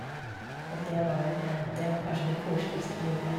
Og det var det var kanskje det koseligste vi gjorde.